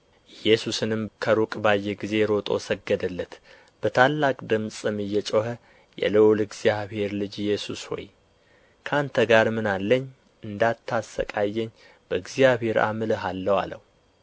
ኢየሱስንም ከሩቅ ባየ ጊዜ ሮጦ ሰገደለት በታላቅ ድምፅም እየጮኸ የልዑል እግዚአብሔር ልጅ ኢየሱስ ሆይ ከአንተ ጋር ምን አለኝ እንዳታሠቃየኝ በእግዚአብሔር አምልሃለሁ አለ